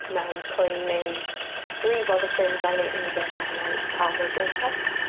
mewn poen neu brifo dy ffrindiau neu unryw beth fel hwnna i ca'l be' ti eisiau.